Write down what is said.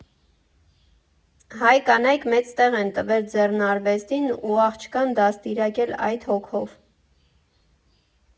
Հայ կանայք մեծ տեղ են տվել ձեռարվեստին ու աղջկան դաստիարակել այդ հոգով։